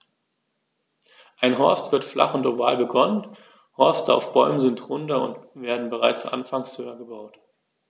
Ein Horst wird flach und oval begonnen, Horste auf Bäumen sind runder und werden bereits anfangs höher gebaut.